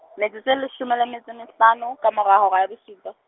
metsotso e leshome le metso e mehlano , ka mora hora ya bosupa.